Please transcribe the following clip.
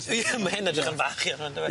Ie ma' hyn edrych yn fach iawn on'd yw e?